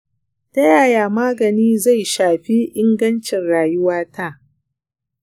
ta yaya magani zai shafi ingancin rayuwata?